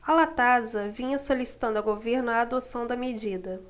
a latasa vinha solicitando ao governo a adoção da medida